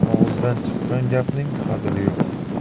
og'izdan chiqqan gapning hazili yo'q